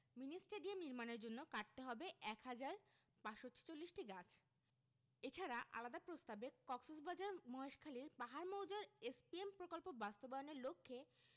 mini stadium নির্মাণের জন্য কাটতে হবে এক হাজার ৫৪৬টি গাছ এছাড়া আলাদা প্রস্তাবে কক্সবাজার মহেশখালীর পাহাড় মৌজার এসপিএম প্রকল্প বাস্তবায়নের লক্ষ্যে